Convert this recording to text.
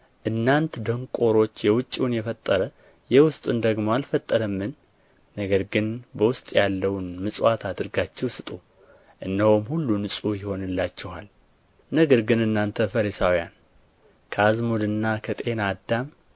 እናንት ደንቆሮዎች የውጭውን የፈጠረ የውስጡን ደግሞ አልፈጠረምን ነገር ግን በውስጥ ያለውን ምጽዋት አድርጋችሁ ስጡ እነሆም ሁሉ ንጹሕ ይሆንላችኋል ነገር ግን እናንተ ፈሪሳውያን ከአዝሙድና ከጤና አዳም